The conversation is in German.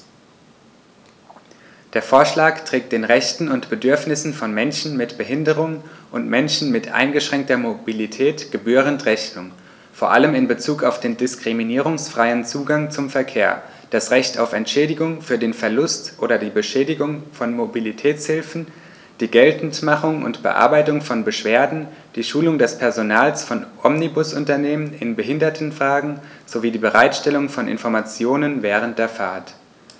Der Vorschlag trägt den Rechten und Bedürfnissen von Menschen mit Behinderung und Menschen mit eingeschränkter Mobilität gebührend Rechnung, vor allem in Bezug auf den diskriminierungsfreien Zugang zum Verkehr, das Recht auf Entschädigung für den Verlust oder die Beschädigung von Mobilitätshilfen, die Geltendmachung und Bearbeitung von Beschwerden, die Schulung des Personals von Omnibusunternehmen in Behindertenfragen sowie die Bereitstellung von Informationen während der Fahrt.